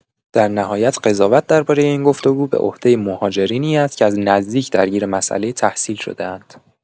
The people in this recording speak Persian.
در نهایت قضاوت درباره این گفت‌وگو به عهده مهاجرینی است که از نزدیک درگیر مسئله تحصیل شده‌اند.